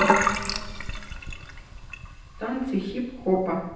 танцы хип хопа